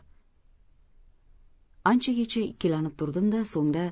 anchagacha ikkilanib turdim da